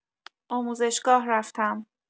آموزشگاه رفتم